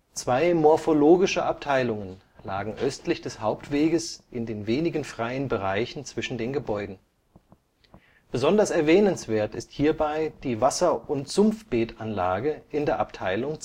Zwei „ Morphologische Abteilungen “lagen östlich des Hauptweges in den wenigen freien Bereichen zwischen den Gebäuden. Besonders erwähnenswert ist hierbei die Wasser - und Sumpfbeetanlage in der Abteilung